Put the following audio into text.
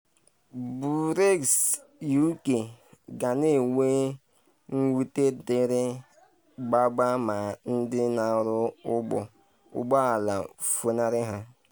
Brexit: UK “ga na-enwe nwute dịrị gaba ma ndị na-arụ ụgbọ ala funari ha